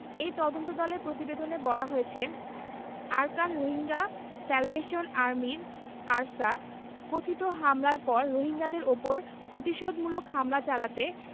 এই তদন্তদলের প্রতিবেদনে বলা হয়েছে আরাকান রোহিঙ্গা স্যালভেশন আর্মির আরসা কথিত হামলার পর রোহিঙ্গাদের ওপর প্রতিশোধমূলক হামলা চালাতে